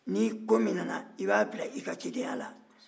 ni ko min nana i b'a bila i ka cidenya la